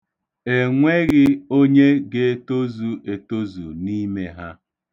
E nweghị onye ga-etozu etozu n'ime ha.